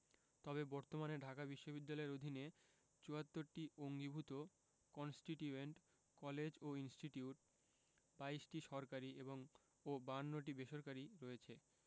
তবে বর্তমানে ঢাকা বিশ্ববিদ্যালয়ের অধীনে ৭৪টি অঙ্গীভুত কন্সটিটিউয়েন্ট কলেজ ও ইনস্টিটিউট ২২টি সরকারি ও ৫২টি বেসরকারি রয়েছে